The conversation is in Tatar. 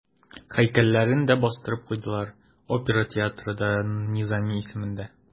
Һәйкәлләрен дә бастырып куйдылар, опера театры да Низами исемендә.